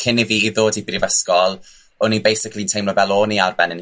cyn i fi ddod i brifysgol, o'n i basically teimlo fel o'n i ar ben 'yn